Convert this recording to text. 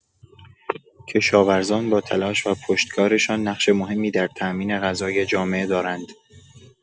کشاورزان با تلاش و پشتکارشان، نقش مهمی در تامین غذای جامعه دارند.